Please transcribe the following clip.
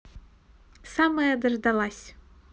самая дождалась